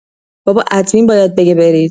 بابا ادمین باید بگه برید